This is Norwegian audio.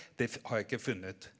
det har jeg ikke funnet.